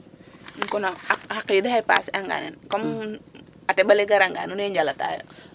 kon xa qiid axe passer anga nene comme a teƥ ale'a garanga nune njalataayo .